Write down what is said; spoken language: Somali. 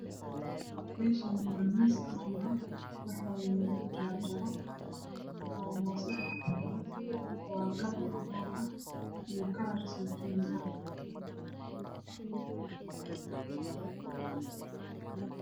Meeshaani waa miis qaxwi ah waxaa yaalo jaajaro oo sadex xabo kalar cadaan iyo kalar saytuuninah